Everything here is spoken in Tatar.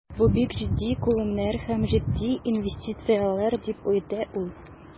Бу бик җитди күләмнәр һәм җитди инвестицияләр, дип әйтте ул.